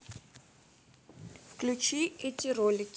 включи эти ролики